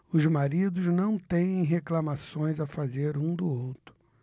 os maridos não têm reclamações a fazer um do outro